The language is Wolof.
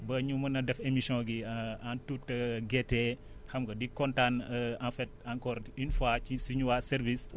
ba ñu mën a def émission gii en toute gaieté xam nga di kontaan en fait encore une fois ci suñu waa service